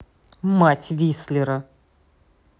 мать висслера